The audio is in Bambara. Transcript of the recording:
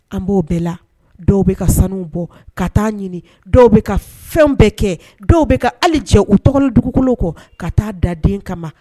An b'o bɛɛ la dɔw bɛ ka sanuw bɔ ka taa' ɲini dɔw bɛ ka fɛn bɛɛ kɛ dɔw bɛ ka hali cɛ u tɔgɔli dugukolo kɔ ka taa daden kama